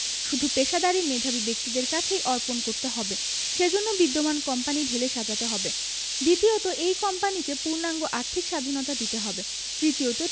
শুধু পেশাদারি মেধাবী ব্যক্তিদের কাছেই অর্পণ করতে হবে সে জন্য বিদ্যমান কোম্পানি ঢেলে সাজাতে হবে দ্বিতীয়ত এই কোম্পানিকে পূর্ণাঙ্গ আর্থিক স্বাধীনতা দিতে হবে তৃতীয়ত